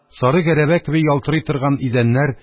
Сары гәрәбә кеби ялтырый торган идәннәр